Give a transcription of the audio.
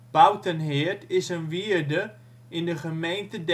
Bouwtenheerd is een wierde in de gemeente